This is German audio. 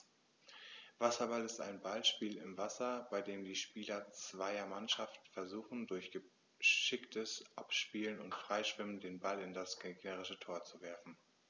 Wasserball ist ein Ballspiel im Wasser, bei dem die Spieler zweier Mannschaften versuchen, durch geschicktes Abspielen und Freischwimmen den Ball in das gegnerische Tor zu werfen.